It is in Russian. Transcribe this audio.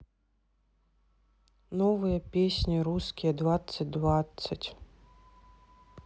новые песни русские двадцать двадцать